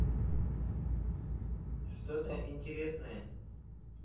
что то интересное